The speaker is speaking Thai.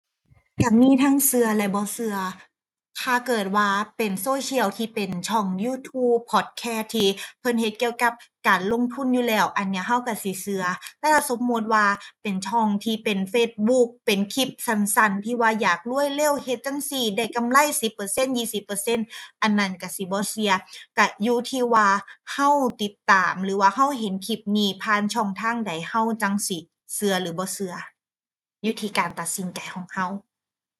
ก็มีทั้งก็และบ่ก็ ถ้าเกิดว่าเป็นโซเชียลที่เป็นช่อง YouTube พอดคาสต์ที่เพิ่นเฮ็ดเกี่ยวกับการลงทุนอยู่แล้ว อันเนี้ยก็ก็สิก็ แต่ถ้าสมมุติว่าเป็นช่องที่เป็น Facebook เป็นคลิปสั้นสั้นที่ว่าอยากรวยเร็วเฮ็ดจั่งซี้ได้กำไรสิบเปอร์เซ็นต์ ยี่สิบเปอร์เซ็นต์ อันนั้นก็สิบ่เชื่อ ก็อยู่ที่ว่าก็ติดตามหรือว่าก็เห็นคลิปนี้ผ่านช่องทางใด ก็จั่งสิก็หรือบ่ก็ อยู่ที่การตัดสินใจของก็